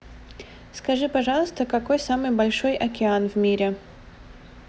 скажи пожалуйста какой самый большой океан в мире